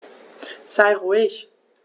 Sei ruhig.